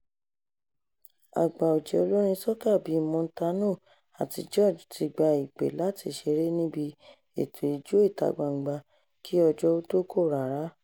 Àgbà ọ̀jẹ̀ olórin soca bíi Montano àti George ti gba ìpè láti ṣeré níbi ètò ijó ìta-gbangba kí ọjọ́ ó tó kò rárá.